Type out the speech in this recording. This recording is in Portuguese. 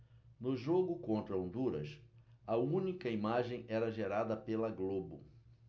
no jogo contra honduras a única imagem era gerada pela globo